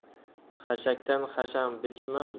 xashakdan hasham bichma